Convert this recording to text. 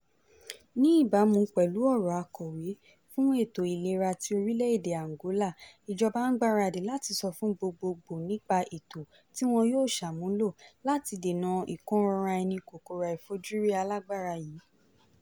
Ní ìbámu pẹ̀lú ọ̀rọ̀ Akọ̀wé fún Ètò Ìlera ti orílẹ̀ èdè Angola, ìjọba ń gbáradì láti sọ fún gbogbogbò nípa ètò tí wọn yóò sàmúlò láti dènà ìkóranraẹni kòkòrò àìfojúrí alágbára yìí.